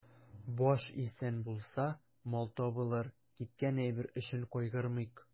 Баш исән булса, мал табылыр, киткән әйбер өчен кайгырмыйк.